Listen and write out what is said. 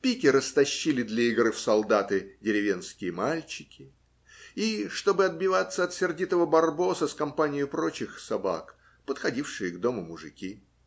пики растащили для игры в солдаты деревенские мальчики и, чтобы отбиваться от сердитого барбоса с компаниею прочих собак, подходившие к дому мужики.